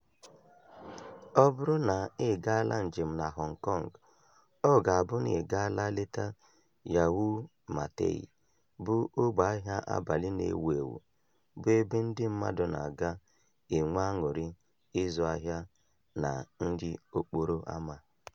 Ọ bụrụ na ị gaala njem na Hong Kong, ọ ga-abụ na ị gaala leta Yau Ma Tei, bụ ógbè ahịa abalị na-ewu ewu bụ ebe ndị mmadụ na-aga enwe aṅụrị ịzụ ahịa na nri okporo ámá.